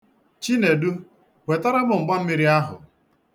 Chinedu, wetara m mgbammiri ahụ.